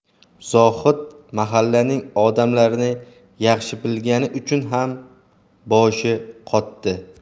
zohid mahallaning odamlarini yaxshi bilgani uchun ham boshi qotdi